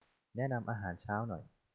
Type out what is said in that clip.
แนะนำอาหารเช้าหน่อย